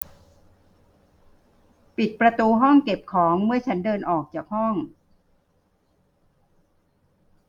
ปิดประตูห้องเก็บของเมื่อฉันเดินออกจากห้อง